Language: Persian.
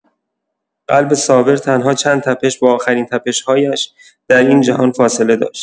قلب صابر تنها چند تپش با آخرین تپش‌هایش در این جهان فاصله داشت.